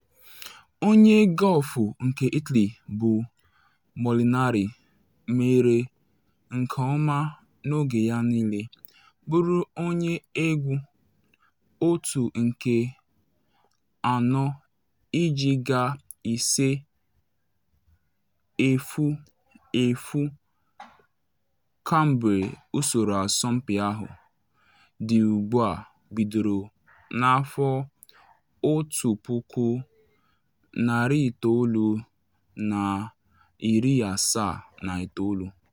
Onye gọlfụ nke Italy bụ Molinari mere nke ọma n’oge ya niile, bụrụ onye egwu 1-nke-4 iji gaa 5-0-0 kemgbe usoro asọmpi ahụ di ugbu a bidoro na 1979.